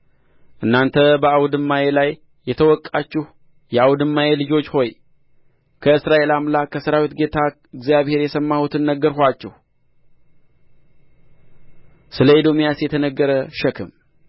እናንተ በአውድማዬ ላይ የተወቃችሁ የአውድማዬ ልጆች ሆይ ከእስራኤል አምላክ ከሠራዊት ጌታ እግዚአብሔር የሰማሁትን ነገርኋችሁ ስለ ኤዶምያስ የተነገረ ሸክም